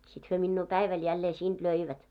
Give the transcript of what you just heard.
sitten he minua päivällä jälleen siitä löivät